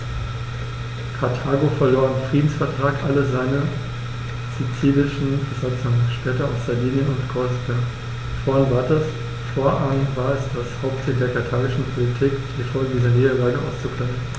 Karthago verlor im Friedensvertrag alle seine sizilischen Besitzungen (später auch Sardinien und Korsika); fortan war es das Hauptziel der karthagischen Politik, die Folgen dieser Niederlage auszugleichen.